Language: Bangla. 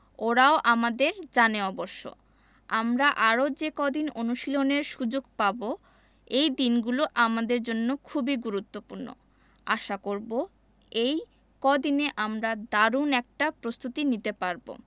ওরাও আমাদের জানে অবশ্য আমরা আরও যে কদিন অনুশীলনের সুযোগ পাব এই দিনগুলো আমাদের জন্য খুবই গুরুত্বপূর্ণ আশা করব এই কদিনে আমরা দারুণ একটা প্রস্তুতি নিতে পারব